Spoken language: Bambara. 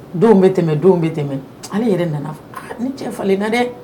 Donw bɛ tɛmɛ denw bɛ tɛmɛ . Ale yɛrɛ nana fɔ. aa n cɛ falen na dɛ.